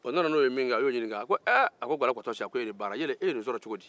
o nana n'o ye minkɛ a ko ɛɛ gɔdɛ gɔdɔsi e ye nin sɔrɔ cogo di